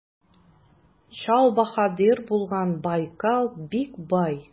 Чал баһадир булган Байкал бик бай.